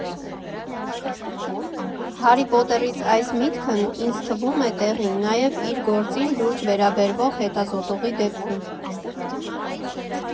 «Հարրի Փոթերից» այս միտքն ինձ թվում է տեղին նաև իր գործին լուրջ վերաբերվող հետազոտողի դեպքում։